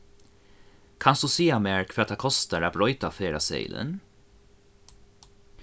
kanst tú siga mær hvat tað kostar at broyta ferðaseðilin